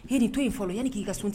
H' ni to in fɔlɔ yan k'i kanto sun